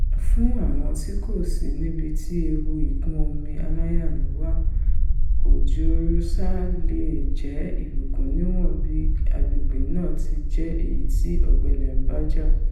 Fún àwọn tí kòsí níbiti ewu ìkún-omi aláyalù wà, òjò Rosa leè jẹ́ ìbùkún níwọ́n bí agbègbè̀̀ náà ti jẹ́ èyití ọ̀gbẹlẹ̀ ńbá jà.